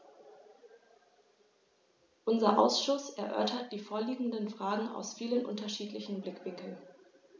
Unser Ausschuss erörtert die vorliegenden Fragen aus vielen unterschiedlichen Blickwinkeln.